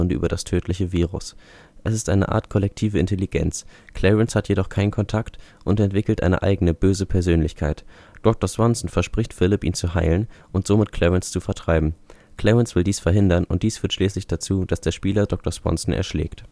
über das tödliche Virus. Es ist eine Art kollektive Intelligenz. Clarence jedoch hat keinen Kontakt, und entwickelt eine eigene, böse Persönlichkeit. Dr. Swanson verspricht Philipp, ihn zu heilen – und somit Clarence zu vertreiben. Clarence will dies verhindern, und dies führt schließlich dazu, dass der Spieler Dr. Swanson erschlägt